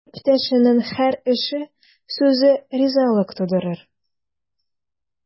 Иптәшеңнең һәр эше, сүзе ризалык тудырыр.